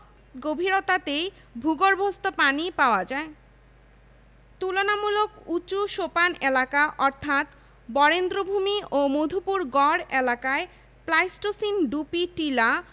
সৈকত বালি ভারি মণিক zircon ilmenite rutile magnetite garnet monazite leucoxene kyanite কাঁচবালি